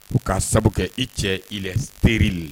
U k'a sababu kɛ i cɛ i la se de